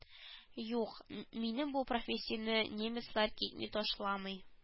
Юк минем бу профессиямне немецлар китми ташламый